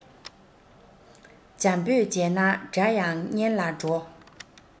བྱམས པོས བྱས ན དགྲ ཡང གཉེན ལ འགྲོ